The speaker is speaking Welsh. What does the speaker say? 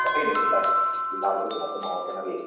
Gaeth hein eu rhedeg ryw ddau ddiwrnod yn ôl gynna fi.